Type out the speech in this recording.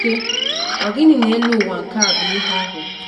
Nwoke: “Ọ gịnị n’elu ụwa nke a bụ ihe ahụ?”